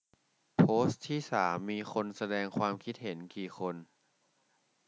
โพสต์ที่สามมีคนแสดงความคิดเห็นกี่คน